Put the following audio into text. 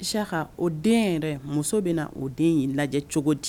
Ya ka o den yɛrɛ muso bɛ na o den in lajɛ cogo di